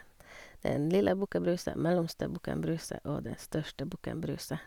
Den lille bukken Bruse, mellomste bukken Bruse og den største bukken Bruse.